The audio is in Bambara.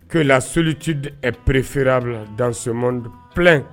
Que la solitude est préférable dans ce monde plein